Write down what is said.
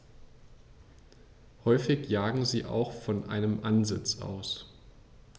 Häufig jagen sie auch von einem Ansitz aus.